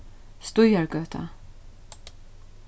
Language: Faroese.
stígargøta